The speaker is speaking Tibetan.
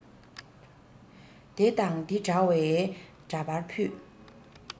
དེ དང དེ འདྲ བའི འདྲ པར ཕུད